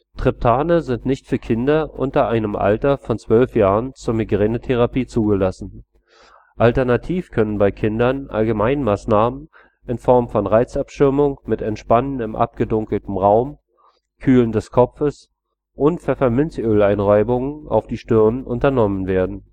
Triptane sind nicht für Kinder unter einem Alter von 12 Jahren zu Migränetherapie zugelassen. Alternativ können bei Kindern Allgemeinmaßnahmen in Form von Reizabschirmung mit Entspannen im abgedunkelten Raum, Kühlen des Kopfes und Pfefferminzöleinreibungen auf die Stirn unternommen werden